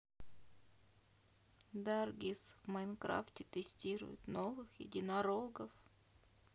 даргиз в майнкрафте тестирует новых единорогов